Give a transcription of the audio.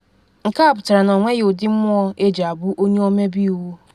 “Nke a pụtara na ọ nweghị ụdị mmụọ eji a bụ Onye Ọmebe Iwu.